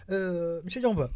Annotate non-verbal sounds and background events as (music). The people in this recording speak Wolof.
(hesitation) monsieur Diakhoumpa